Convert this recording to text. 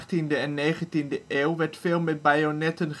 In de 18e en 19e eeuw werd veel met bajonetten